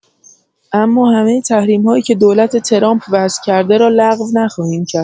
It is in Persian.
اما همه تحریم‌هایی که دولت ترامپ وضع کرده را لغو نخواهیم کرد.